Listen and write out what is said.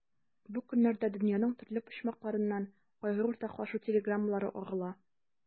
Бу көннәрдә дөньяның төрле почмакларыннан кайгы уртаклашу телеграммалары агыла.